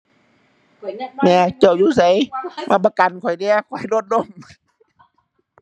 แม่ เจ้าอยู่ไส มาประกันข้อยแหน่ ข้อยรถล้ม